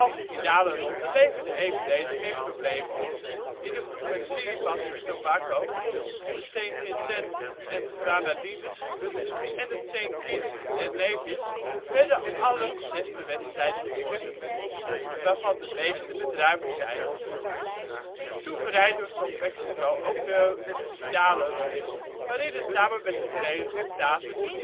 finaleronde leverde eveneens geen problemen op. In een groep met Trinidad en Tobago, Saint Vincent en de Grenadines en met Saint Kitts en Nevis werden alle zes de wedstrijden gewonnen, waarvan de meeste met ruime cijfers. Souverijn doorstond Mexico ook de finaleronde, waarin het samen met de Verenigde Staten